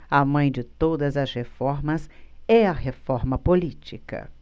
a mãe de todas as reformas é a reforma política